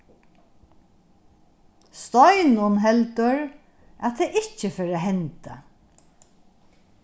steinunn heldur at tað ikki fer at henda